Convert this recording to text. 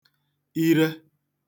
ire